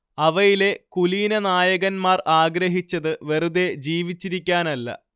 അവയിലെ കുലീനനായകമാർ ആഗ്രഹിച്ചത് വെറുതേ ജീവിച്ചിരിക്കാനല്ല